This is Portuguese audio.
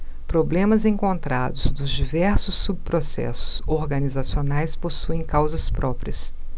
problemas encontrados nos diversos subprocessos organizacionais possuem causas próprias